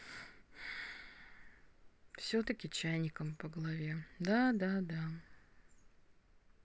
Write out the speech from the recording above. все таки чайником по голове да да да